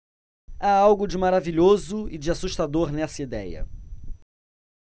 há algo de maravilhoso e de assustador nessa idéia